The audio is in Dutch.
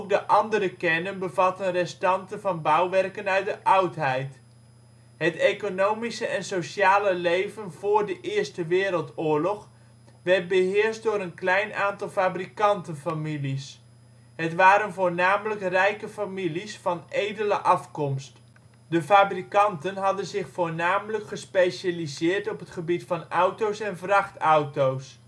de andere kernen bevatten (restanten van) bouwwerken uit de oudheid. Het economische en sociale leven voor de Eerste Wereldoorlog werd beheerst door een klein aantal fabrikantenfamilies. Het waren voornamelijk rijke families, van edele afkomst. De fabrikanten hadden zich voornamelijk gespecialiseerd op het gebied van auto 's en vrachtauto 's